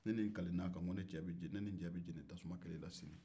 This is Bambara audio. ne ni kalela a kan ko ne ni n cɛ bɛ jeni tasuma kelen na sini